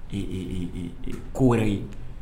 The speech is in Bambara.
Ee ko wɛrɛ ye.